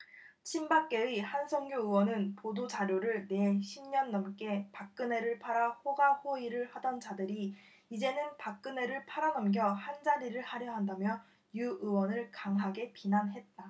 친박계의 한선교 의원은 보도 자료를 내 십 년 넘게 박근혜를 팔아 호가호위를 하던 자들이 이제는 박근혜를 팔아넘겨 한자리를 하려 한다며 유 의원을 강하게 비난했다